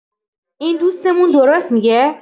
این دوستمون درست می‌گه